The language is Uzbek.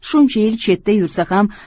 shuncha yil chetda yursa ham